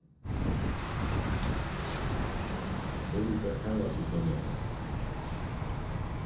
eg vil bert hava teg hjá mær